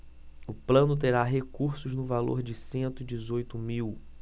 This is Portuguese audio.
o plano terá recursos no valor de cento e dezoito mil